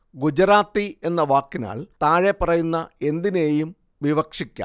ഗുജറാത്തി എന്ന വാക്കിനാല്‍ താഴെപ്പറയുന്ന എന്തിനേയും വിവക്ഷിക്കാം